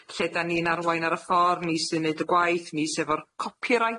lle 'dan ni'n arwain ar y ffor. Ni sy'n neud y gwaith, ni sy efo'r copyright